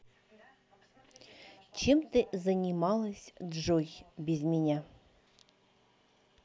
чем ты занималась джой без меня